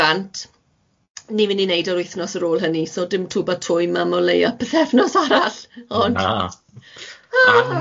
bant ni'n mynd i neud yr wythnos ar ôl hynny so dim twba twym am o leia pythefnos arall ond... O na...